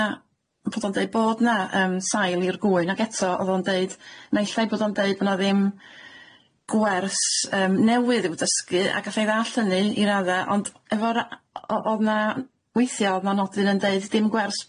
na bod o'n deud bod na yym sail i'r gwyn ag eto o'dd o'n deud naillai bod o'n deud bo' na ddim gwers yym newydd i'w dysgu a gallai ddallt hynny i radda ond efo ra- o- o'dd na weithia' o'dd na nodyn yn deud dim gwers